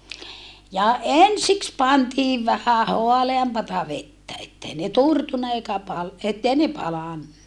ja ensiksi pantiin vähän haaleampaa vettä että ei ne turtunut eikä - että ei ne palanut